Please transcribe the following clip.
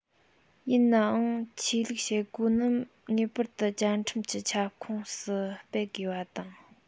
ཡིན ནའང ཆོས ལུགས བྱེད སྒོ རྣམས ངེས པར དུ བཅའ ཁྲིམས ཀྱི ཁྱབ ཁོངས སུ སྤེལ དགོས པ དང